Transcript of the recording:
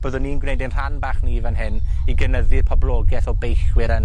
byddwn ni'n gneud ein rhan bach ni fan hyn i gynyddu poblogeth o beillwyr yn